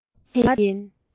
དྲི བ དེ ཡིན